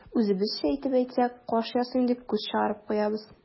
Үзебезчә итеп әйтсәк, каш ясыйм дип, күз чыгарып куябыз.